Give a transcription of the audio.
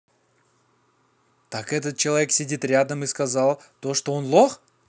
так этот человек сидит рядом и сказал то что он лох